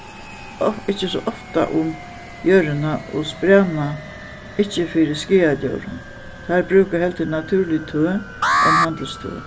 ikki so ofta um jørðina og spræna ikki fyri skaðadjórum teir brúka heldur natúrlig tøð enn handilstøð